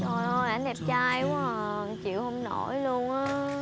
trời ơi anh đẹp trai quá à chịu không nổi luôn ớ